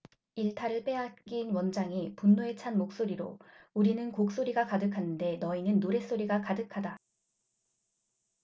일타를 빼앗긴 원장이 분노에 찬 목소리로 우리는 곡소리가 가득한데 너희는 노랫소리가 가득하다